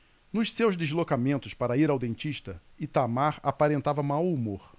nos seus deslocamentos para ir ao dentista itamar aparentava mau humor